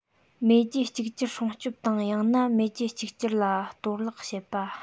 མེས རྒྱལ གཅིག གྱུར སྲུང སྐྱོབ དང ཡང ན མེས རྒྱལ གཅིག གྱུར ལ གཏོར བརླག བྱེད པ